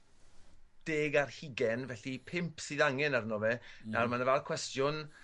deg ar hugen felly pump sydd angen arno fe. Nawr ma' ae no farc cwestiwn